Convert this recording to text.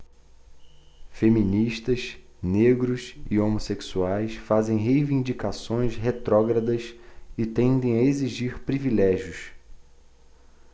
feministas negros e homossexuais fazem reivindicações retrógradas e tendem a exigir privilégios